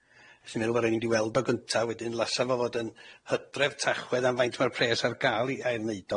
sy'n meddwl bo' rai' ni'n fynd i weld o gynta, wedyn lasa fo fod yn Hydref, Tachwedd am faint ma'r pres ar ga'l i ail neud o